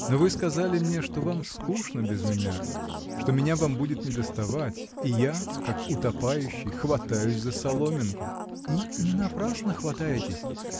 Но вы сказали мне, что вам скучно без меня, что меня вам будет недоставать, и я, как утопающий, хватаюсь за соломинку. — И не напрасно хватаетесь.